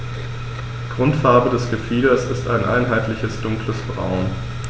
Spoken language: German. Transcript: Grundfarbe des Gefieders ist ein einheitliches dunkles Braun.